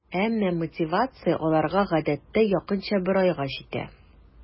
Әмма мотивация аларга гадәттә якынча бер айга җитә.